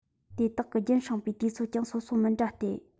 དེ དག གི རྒྱུན བསྲིངས པའི དུས ཚོད ཀྱང སོ སོ མི འདྲ སྟེ